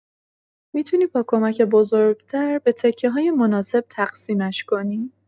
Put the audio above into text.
می‌تونی با کمک بزرگ‌تر به تکه‌های مناسب تقسیمش کنی.